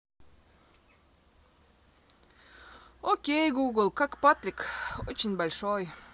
окей google как patrick очень большой